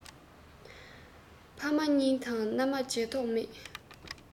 ཕ མ གཉིས དང མནའ མ བརྗེ མདོག མེད